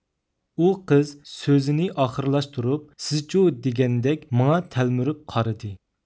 ئۇ قىز سۆزىنى ئاخىرلاشتۇرۇپ سىزچۇدېگەندەك ماڭا تەلمۈرۈپ قارىدى